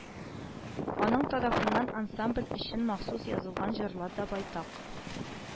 Аның тарафыннан ансамбль өчен махсус язылган җырлар да байтак